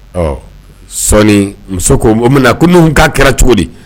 Ɔ sɔɔni muso ko minna na ko n''a kɛra cogo di